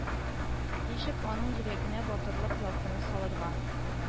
Ничек аның йөрәгенә батырлык ялкыны салырга